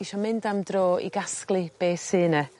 isio mynd am dro i gasglu be sy 'ne.